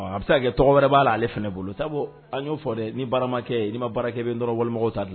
A bɛ se ka kɛ tɔgɔ wɛrɛ b'a la ale fana bolo sabu an y'o fɔ dɛ ni barakɛ ni ma baarakɛ bɛ n dɔrɔn wale ta la